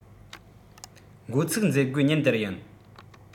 འགོ ཚུགས མཛད སྒོའི ཉིན དེར ཡིན